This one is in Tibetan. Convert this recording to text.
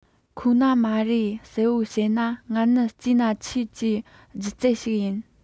ཁོ ན མ རེད གསལ པོར བཤད ན ང ནི རྩེ ན ཆེད ཀྱི སྒྱུ རྩལ ཞིག ཡིན